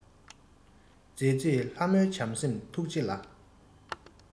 མཛེས མཛེས ལྷ མོའི བྱམས སེམས ཐུགས རྗེ ལས